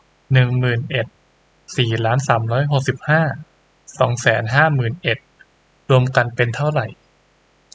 หนึ่งหมื่นเอ็ดสี่ล้านสามร้อยหกสิบห้าสองแสนห้าหมื่นเอ็ดรวมกันเป็นเท่าไหร่